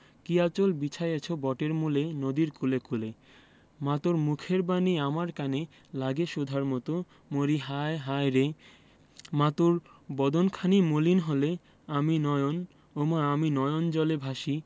কী আঁচল বিছায়েছ বটের মূলে নদীর কূলে কূলে মা তোর মুখের বাণী আমার কানে লাগে সুধার মতো মরিহায় হায়রে মা তোর বদন খানি মলিন হলে ওমা আমি নয়ন ওমা আমি নয়ন জলে ভাসি